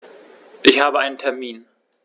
Ich habe einen Termin.